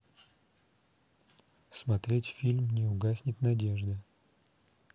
смотреть фильм не угаснет надежда